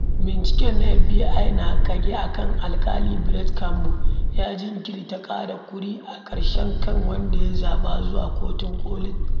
Binciken na FBI na ƙage a kan Alƙali Brett Kavanaugh ya jinkirta kaɗa ƙuri'a ƙarshen a kan wanda ya zaɓa zuwa Kotun ƙoli da aƙalla mako ɗaya, kuma ya tayar da tambayoyi ko sakamakon binciken na hukumar zai ja kowaɗanne sanatocin Republican zuwa cikin goyon bayan nasu.